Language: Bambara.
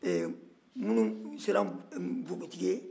ɛ minnu sera npogotigi ye